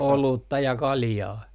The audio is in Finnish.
olutta ja kaljaa